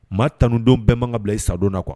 Maa tanundenw bɛɛ mankan bila i sadon na qu kuwa